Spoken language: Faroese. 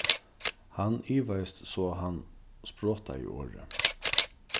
hann ivaðist so hann sprotaði orðið